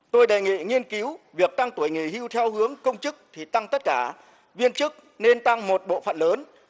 tôi đề nghị nghiên cứu việc tăng tuổi nghỉ hưu theo hướng công chức thì tăng tất cả viên chức nên tăng một bộ phận lớn